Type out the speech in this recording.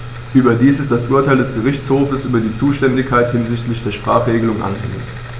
Überdies ist das Urteil des Gerichtshofes über die Zuständigkeit hinsichtlich der Sprachenregelung anhängig.